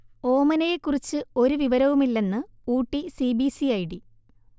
ഓമനയെ കുറിച്ച് ഒരു വിവരവുമില്ലെന്ന് Ooty C B C I D